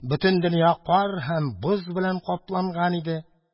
Бөтен дөнья кар һәм боз белән капланган иде.